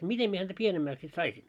miten minä häntä pienemmäksi sitten saisin